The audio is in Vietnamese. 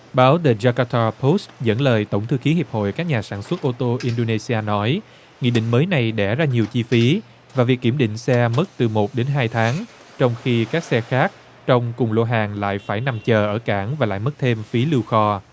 báo dờ da các ta pốt dẫn lời tổng thư ký hiệp hội các nhà sản xuất ô tô in đô nê si a nói nghị định mới này đẻ ra nhiều chi phí và việc kiểm định xe mức từ một đến hai tháng trong khi các xe khác trong cùng lô hàng lại phải nằm chờ ở cảng và lại mất thêm phí lưu kho